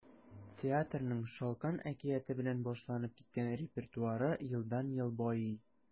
Театрның “Шалкан” әкияте белән башланып киткән репертуары елдан-ел байый.